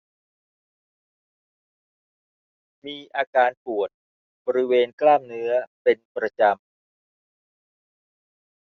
มีอาการปวดบริเวณกล้ามเนื้อเป็นประจำ